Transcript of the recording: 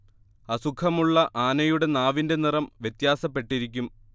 അസുഖം ഉള്ള ആനകളുടെ നാവിന്റെ നിറം വ്യത്യാസപ്പെട്ടിരിക്കും